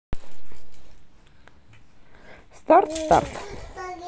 старт старт